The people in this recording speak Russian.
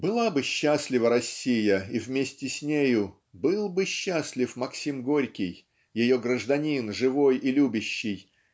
Была бы счастлива Россия и вместе с нею был бы счастлив Максим Горький ее гражданин живой и любящий